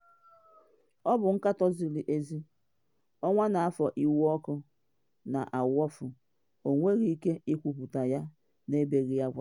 Ọ bụ nkatọ ziri ezi, ọnwa na afọ iwe ọkụ na awofu, ọ nweghị ike ikwupute ya na ebeghị akwa.